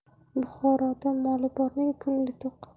buxoroda moli borning ko'ngli to'q